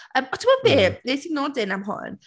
Yym a timod be, wnes i nodyn am hwn.